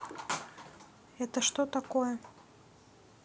это что такое